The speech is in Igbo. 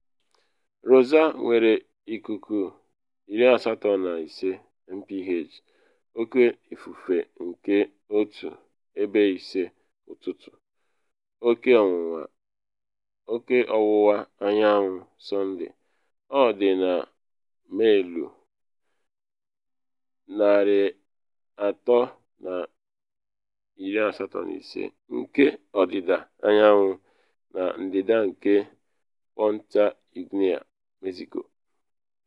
Rosa nwere ikuku 85 mph, Oke Ifufe nke Otu 1, ebe 5 ụtụtụ. Oge ọwụwa anyanwụ Sọnde, ọ dị na maịlụ 385 nke ọdịda anyanwụ na ndịda nke Punta Eugenia, Mexico.